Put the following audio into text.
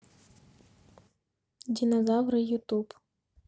динозавры ютуб